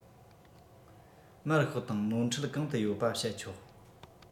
མར ཤོག དང ནོར འཁྲུལ གང དུ ཡོད པ བཤད ཆོག